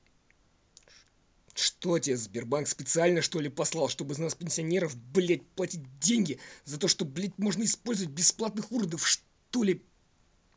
что тебе сбербанк специально что ли послал чтобы из нас пенсионеров блять платить деньги за то что блядь можно использовать бесплатно уродовых что ли